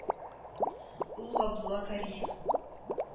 Ул Габдулла Кариев.